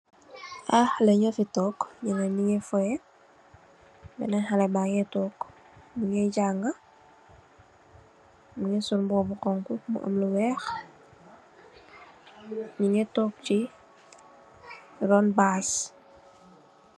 Ay haley nyo fi toog, nyenen nungi foyeh. Benen haley ba ngi toog mu nge jàngg. Mungi sol mbuba bu honku mu am lu weeh mungi toog chi ron baas.